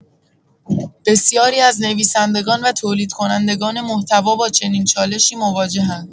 بسیاری از نویسندگان و تولیدکنندگان محتوا با چنین چالشی مواجه‌اند.